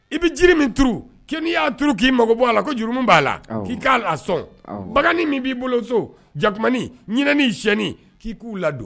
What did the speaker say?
I bɛ jiri min t kɛ n'i'a touru k'i mago bɔ a la ko juru min b'a la k'i k'a la sɔn bagan min b'i bolo so jakuma ɲ si k'i k'u ladon